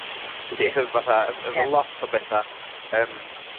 Yndi. T'od fatha ef- efo Iot... Ie. ..o betha yym